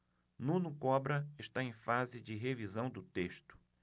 nuno cobra está em fase de revisão do texto